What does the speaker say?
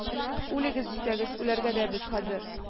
Үлегез дисәгез, үләргә дә без хәзер